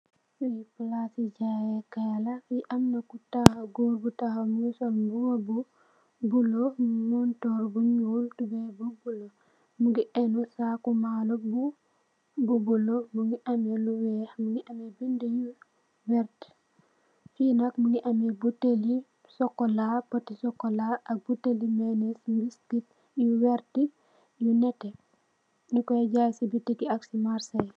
Fee plase jaye kaye la fee amna ku tahaw goor bu tahaw muge sol muba bu bulo munturr bu nuul tubaye bu bulo muge eno saku malou bu bulo muge ameh lu weex muge ameh bede yu werte fee nak muge ameh botele sukola pote sukola ak botele mainess yu iskep yu werte yu neteh nukoy jaye se betik ye ak marse ye.